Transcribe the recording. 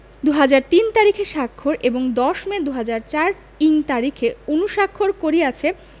২০০৩ইং তারিখে স্বাক্ষর এবং ১০ মে ২০০৪ইং তারিখে অনুস্বাক্ষর করিয়াছে